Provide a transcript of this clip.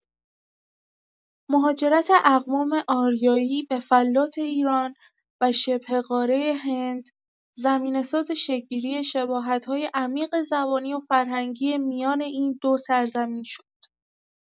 مهاجرت اقوام آریایی به فلات ایران و شبه‌قاره هند، زمینه‌ساز شکل‌گیری شباهت‌های عمیق زبانی و فرهنگی میان این دو سرزمین شد.